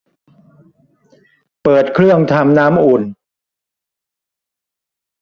เปิดเครื่องทำความน้ำอุ่น